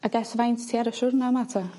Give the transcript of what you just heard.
Ag ers faint ti ar y siwrna 'ma 'ta?